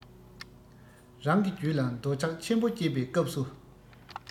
རང གི རྒྱུད ལ འདོད ཆགས ཆེན པོ སྐྱེས པའི སྐབས སུ